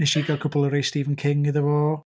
Wnes i gael cwpwl o rei Stephen King iddo fo.